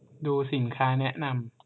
ดูสินค้าแนะนำ